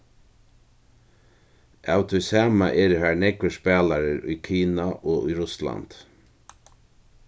av tí sama eru har nógvir spælarar í kina og í russlandi